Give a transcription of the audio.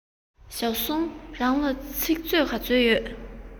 ཞའོ སུའུ རང ལ ཚིག མཛོད ག ཚོད ཡོད